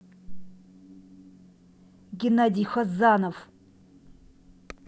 геннадий хазанов